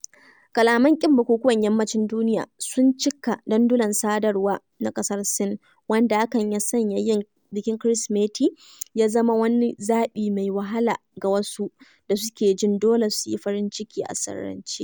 Kalaman ƙin bukukuwan Yammacin duniya sun cika dandulan sadarwa na ƙasar Sin, wanda hakan ya sanya yin bikin Kirsimeti ya zama wani zaɓi mai wahala ga wasu da suke jin dole su yi farin cikinsu a sirrance.